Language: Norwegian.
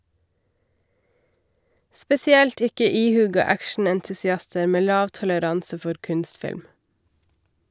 Spesielt ikke ihuga actionentusiaster med lav toleranse for kunstfilm.